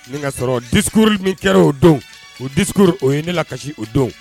Nin ka sɔrɔ discours min kɛra o don o discours o ye ne la kasi o don